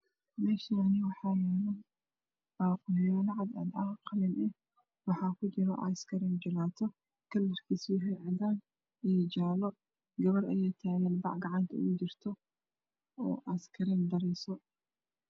Meeshaani waxaa yaalo baaquli cadacadan jale ascreen ku jirto jalaato kalarkisa cadaan yahay iyo jaale gabar ayaa taagan bac gacanta ugu jirto ascreen gadayso